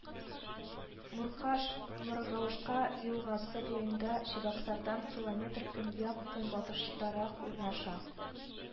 Муркаш Моргаушка елгасы буенда, Чабаксардан километр көньяк-көнбатыштарак урнаша